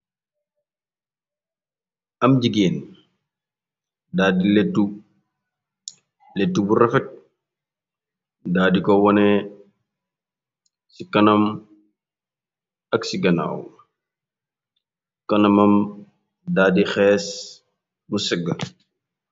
Am jigéen daa di lettu, lettu bu refet daa di ko wone ci kanam, ak si ganaw, kanamam daadi xees mu segga.